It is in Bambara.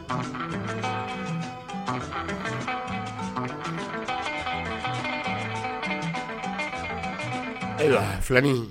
Ayiwa filanin